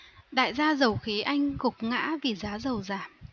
đại gia dầu khí anh gục ngã vì giá dầu giảm